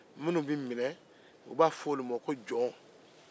u b'a fɔ minɛnenw ma ko jɔn